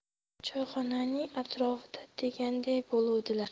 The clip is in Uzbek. choyxonaning atrofida deganday bo'luvdilar